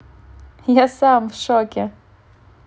я сам в шоке